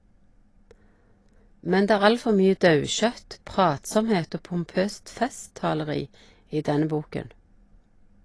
Men det er alt for mye daukjøtt, pratsomhet og pompøst festtaleri i denne boken.